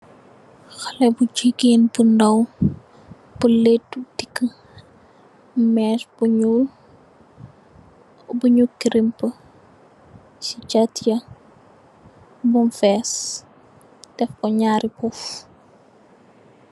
Haleh bu jegain bu ndaw bu leto teke mess bu nuul bunu crempe se chate ya bum fess def ku nyari puff.